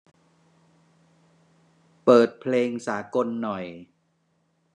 เปิดเพลงสากลหน่อย